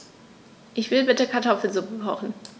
Ich will bitte Kartoffelsuppe kochen.